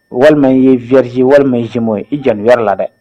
Walima n ye vierge ye walima gemeau ye i jɔ wɛrɛ la dɛ